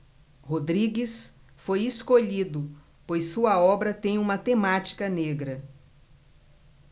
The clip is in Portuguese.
rodrigues foi escolhido pois sua obra tem uma temática negra